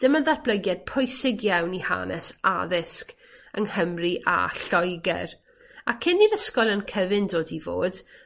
Dyma ddatblygiad pwysig iawn i hanes addysg yng Nghymru a Lloegyr, a cyn i'r ysgolion cyfun dod i fod